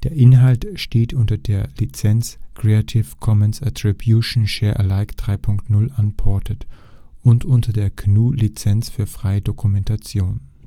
Inhalt steht unter der Lizenz Creative Commons Attribution Share Alike 3 Punkt 0 Unported und unter der GNU Lizenz für freie Dokumentation